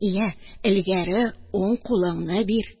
Йә, элгәре уң кулыңны бир!